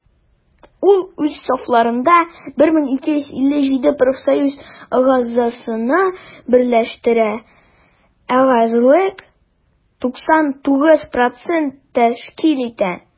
Ул үз сафларында 1257 профсоюз әгъзасын берләштерә, әгъзалык 99 % тәшкил итә.